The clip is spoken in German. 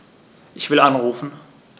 Ich will anrufen.